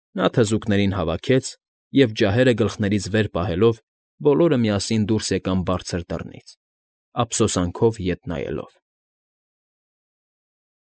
Նա թզուկներին ահվաքեց, և, ջահերը գլխներից վեր պահելով, բոլորը միասին դուրս եկան բարձր դռնից, ափսոսանքով ետ նայելով։